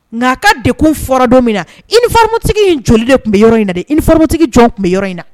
Nka a ka degun fɔra don min na uniforme tigi in joli de tun bɛ yɔrɔ in na dɛ, uniforme tigi jɔn tun bɛ yɔrɔ in na